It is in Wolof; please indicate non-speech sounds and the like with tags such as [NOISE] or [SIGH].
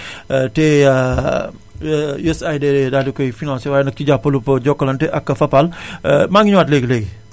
[BREATH] [HESITATION] te [HESITATION] USAID daal di koy financé waaye nag si jàppalug Jokalante ak Fapal [INHALES] maa ngi ñëwaat léegi léegi